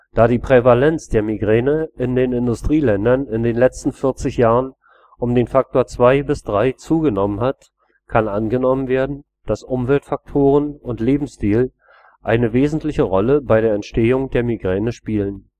Da die Prävalenz der Migräne in den Industrieländern in den letzten 40 Jahren um den Faktor zwei bis drei zugenommen hat, kann angenommen werden, dass Umweltfaktoren und Lebensstil eine wesentliche Rolle bei der Entstehung der Migräne spielen